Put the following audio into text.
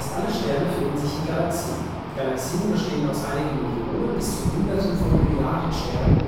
alle Sterne finden sich in Galaxien. Galaxien bestehen aus einigen Millionen bis zu Hunderten von Milliarden Sternen